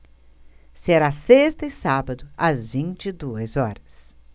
será sexta e sábado às vinte e duas horas